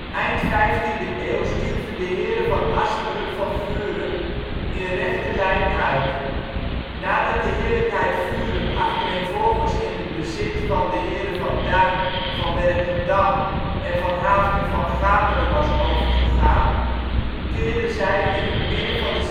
Eind vijftiende eeuw stierven de heren van Asperen van Vuren in rechte lijn uit. Nadat de heerlijkheid Vuren achtereenvolgens in het bezit van de heren van Duyn van Werkendam en van Haaften van Gameren was overgegaan, keerde zij in het midden van de